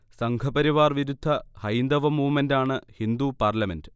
സംഘപരിവാർ വിരുദ്ധ ഹൈന്ദവ മൂവ്മെന്റാണ് ഹിന്ദു പാർലമെന്റ്